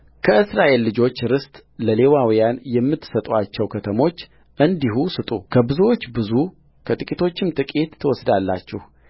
ከእስራኤል ልጆች ርስት ለሌዋውያን የምትሰጡአቸውን ከተሞች እንዲሁ ስጡ ከብዙዎቹ ብዙ ከጥቂቶቹ ጥቂት ትወስዳላችሁ